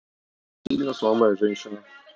сильно слабая женщина